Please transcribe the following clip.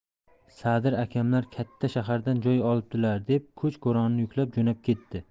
sadir akamlar katta shahardan joy olibdilar deb ko'ch ko'ronini yuklab jo'nab ketdi